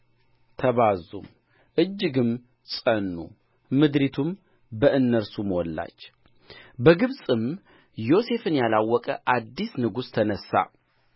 ተባዙም አጅግም ጸኑ ምድሪቱም በእነርሱ ሞላች በግብፅም ዮሴፍን ያላወቀ አዲስ ንጉሥ ተነሣ